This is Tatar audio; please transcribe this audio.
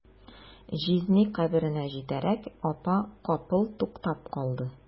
Җизни каберенә җитәрәк, апа капыл туктап калды.